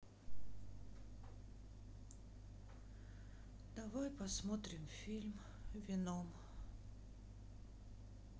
давай посмотрим фильм веном